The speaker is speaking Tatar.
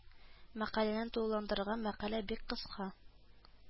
Мәкаләне тулыландырырга мәкалә бик кыска